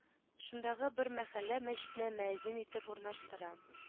Шундагы бер мәхәллә мәчетенә мөәзин итеп урнаштыра